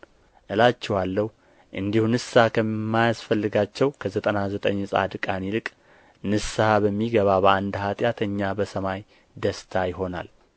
እላችኋለሁ እንዲሁ ንስሐ ከማያስፈልጋቸው ከዘጠና ዘጠኝ ጻድቃን ይልቅ ንስሐ በሚገባ በአንድ ኃጢአተኛ በሰማይ ደስታ ይሆናል